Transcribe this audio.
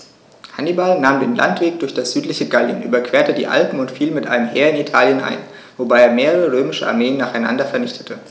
Hannibal nahm den Landweg durch das südliche Gallien, überquerte die Alpen und fiel mit einem Heer in Italien ein, wobei er mehrere römische Armeen nacheinander vernichtete.